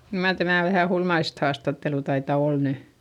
kyllä mar tämä vähän hullumaista haastattelua taitaa olla nyt